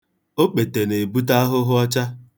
Okpete na-ebute ahụhụọcha.